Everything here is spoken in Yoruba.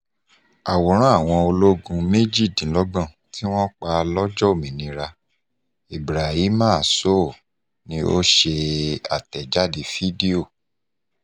Àwòrán àwọn Ológun 28 tí wọ́n pa lọ́jọ́ òmìnira – Ibrahima Sow ni ó ṣe àtẹ̀jáde fídíò.